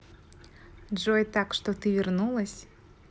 джой так что ты вернулась